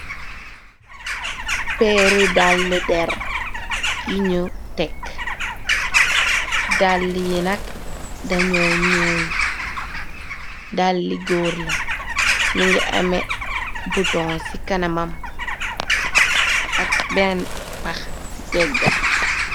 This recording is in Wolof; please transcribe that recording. Peeri dall der yi ñu tekk dall yi nag dañuo ñuul dalli góor la mi ngi ame bhuton ci kana mam ak benn pax ci peggam.